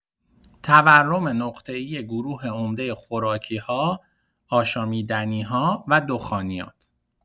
تورم نقطه‌ای گروه عمده خوراکی‌ها، آشامیدنی­ها و دخانیات